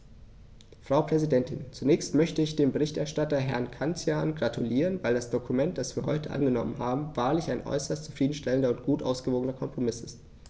Frau Präsidentin, zunächst möchte ich dem Berichterstatter Herrn Cancian gratulieren, weil das Dokument, das wir heute angenommen haben, wahrlich ein äußerst zufrieden stellender und gut ausgewogener Kompromiss ist.